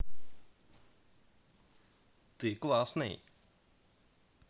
ты классный